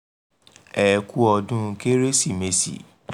Ẹ kú ọdún Kérésìmesì!